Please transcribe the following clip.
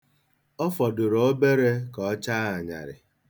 Ọ fọdụrụ obere ka ọ chaa anyarị.